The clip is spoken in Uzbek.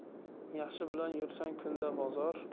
yaxshi bilan yursang kunda bozor